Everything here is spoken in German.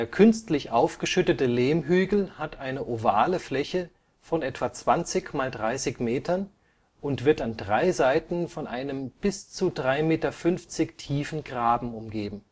künstlich aufgeschüttete Lehmhügel hat eine ovale Fläche von etwa 20 mal 30 Metern und wird an drei Seiten von einem bis zu 3,50 Meter tiefen Graben umgeben